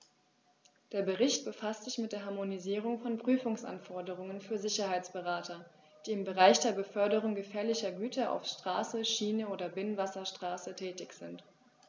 Der Bericht befasst sich mit der Harmonisierung von Prüfungsanforderungen für Sicherheitsberater, die im Bereich der Beförderung gefährlicher Güter auf Straße, Schiene oder Binnenwasserstraße tätig sind.